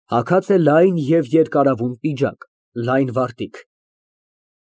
Հագած է լայն և երկարավուն պիջակ, լայն վարտիք։